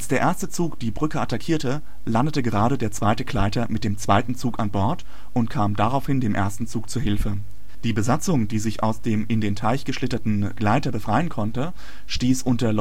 erste Zug die Brücke attackierte, landete gerade der zweite Gleiter mit dem zweiten Zug an Bord und kam daraufhin dem ersten Zug zur Hilfe. Die Besatzung, die sich aus dem in dem Teich geschlitterten Gleiter befreien konnte, stieß unter